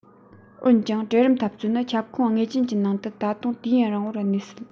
འོན ཀྱང གྲལ རིམ འཐབ རྩོད ནི ཁྱབ ཁོངས ངེས ཅན གྱི ནང དུ ད དུང དུས ཡུན རིང པོར གནས སྲིད